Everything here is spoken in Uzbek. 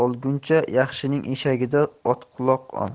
olguncha yaxshining eshagida otquloq ol